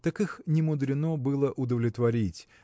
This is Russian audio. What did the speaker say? так их немудрено было удовлетворить